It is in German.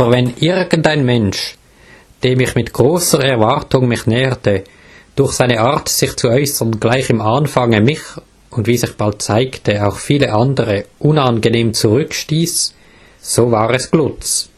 wenn irgend ein Mensch, dem ich mit grosser Erwartung mich näherte, durch seine Art sich zu äussern, gleich im Anfange mich, und wie sich bald zeigte, auch viele andere unangenehm zurückstiess, so war es Glutz